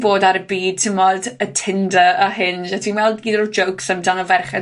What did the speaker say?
bod ar y byd t'mod y Tinder a hyn, a ti'n weld gyd o'r jokes amdano ferched